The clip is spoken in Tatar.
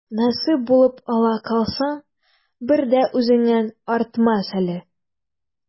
Насыйп булып ала калсаң, бер дә үзеңнән артмас әле.